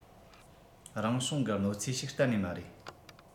རང བྱུང གི གནོད འཚེ ཞིག གཏན ནས མ རེད